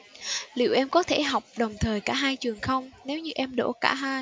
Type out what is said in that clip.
liệu em có thể học đồng thời cả hai trường không nếu như em đỗ cả hai